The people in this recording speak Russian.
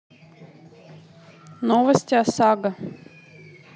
новости осаго